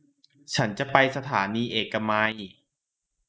ฉันจะไปสถานีเอกมัย